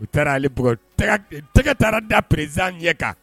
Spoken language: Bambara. U taara ale bugɔ, tɛgɛ tigɛ taara da président ɲɛ kan.